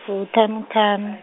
fuṱhanuṱhanu.